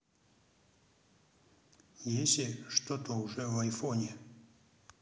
если что то уже в айфоне